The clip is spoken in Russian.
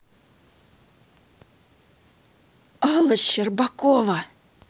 алла щербакова